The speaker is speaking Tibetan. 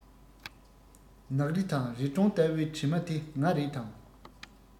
ནགས རི དང རི གྲོང ལྟ བུའི གྲིབ མ དེ ང རེད དམ